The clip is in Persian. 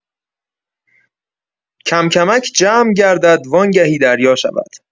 کم‌کمک جمع گردد وانگهی دریا شود